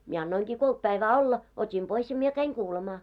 mie 'annoiŋkii koit päivää 'olla, 'ot́im ʙois ja 'mie käiŋ kuulemaa.